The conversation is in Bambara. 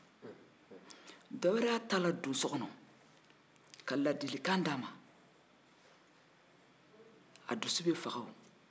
dɔwɛrɛ y'a ta ladon so kɔnɔ ka ladilikan di a ma a dusu be faga